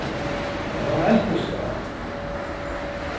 men hon eldist væl